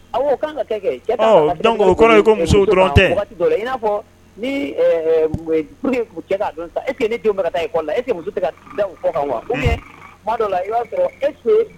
A kaa denw ea